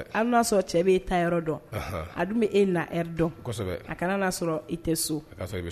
Hali n'a y'a sɔrɔ cɛ bɛ e ta yɔrɔ, dɔn ɔnhɔn, a dun bɛ e na heure dɔn, kosɛbɛ, a ka na na a sɔrɔ i tɛ so.